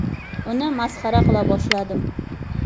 uni masxara qila boshladim